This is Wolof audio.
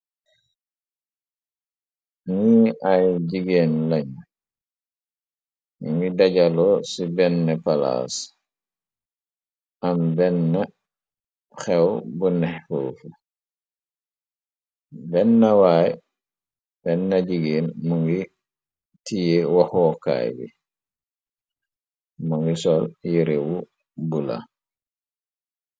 Ni ay jigeen lañ ngi dajaloo ci benn palaas am benn xew bu nexfofubennawaay benna jigeen ma ngi tiyee waxookaay bi ma ngi sol yerewu bula.